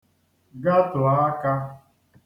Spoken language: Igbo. gatò akā